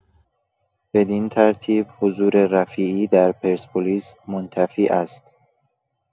بدین‌ترتیب حضور رفیعی در پرسپولیس منتفی است.